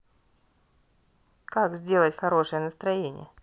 как сделать хорошее настроение